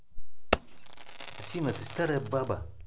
афина ты старая баба